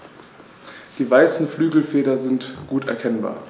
Die weißen Flügelfelder sind gut erkennbar.